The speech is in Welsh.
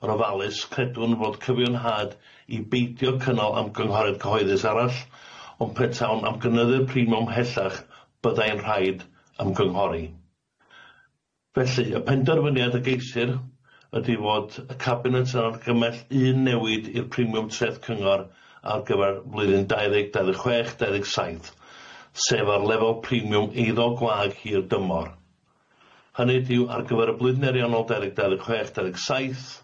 yr ofalus credwn fod cyfiawnhad i beidio cynnal ymgynghoriad cyhoeddus arall, ond petawn am gynyddu'r primiwm hellach byddai'n rhaid ymgynghori. Felly y penderfyniad y geisir ydi fod y cabinet yn argymell un newid i'r primiwm treth cyngor ar gyfer flwyddyn dau ddeg dau ddeg chwech dau ddeg saith, sef ar lefel primiwm eiddo gwag hir dymor. Hynny ydyw ar gyfer y blwyddyn ariannol dau ddeg dau ddeg chwech dau ddeg saith,